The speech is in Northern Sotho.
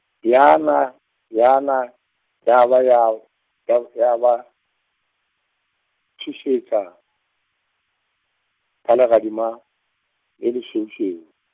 yana, yana, ya ba ya, ba ya ba, tšhošetša, ka legadima, ele lešweušweu.